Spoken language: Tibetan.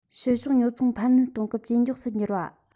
ཕྱི ཕྱོགས ཉོ ཚོང འཕར སྣོན གཏོང སྟངས ཇེ མགྱོགས སུ འགྱུར བ